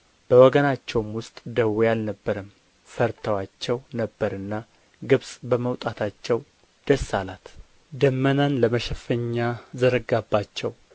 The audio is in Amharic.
በወገናቸውም ውስጥ ደዌ አልነበረም ፈርተዋቸው ነበርና ግብጽ በመውጣታቸው ደስ አላት ደመናን ለመሸፈኛ ዘረጋባቸው